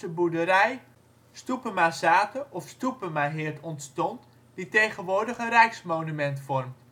boerderij Stoepemazathe of Stoepemaheerd ontstond, die tegenwoordig een rijksmonument vormt